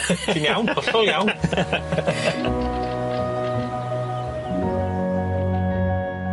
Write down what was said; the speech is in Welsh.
Ti'n iawn, hollol iawn.